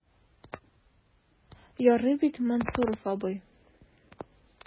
Ярый бит, Мансуров абый?